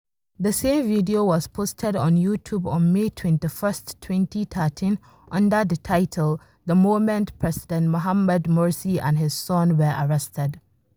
The same video was posted on YouTube on May 21, 2013 under the title “The moment President Mohamed Morsi and his son were arrested.”